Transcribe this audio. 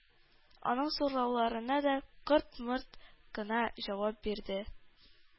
Аның сорауларына да кырт-мырт кына җавап бирде.